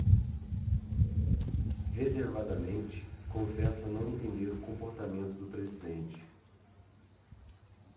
reservadamente confessa não entender o comportamento do presidente